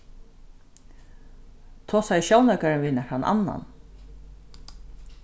tosaði sjónleikarin við nakran annan